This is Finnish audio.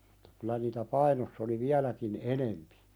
Mutta kyllä niitä Painossa oli vieläkin enempi